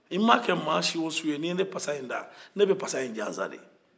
i mana kɛ mɔgɔ sugu o sugu ye ne pasa in da ne bɛ pasa in jansa de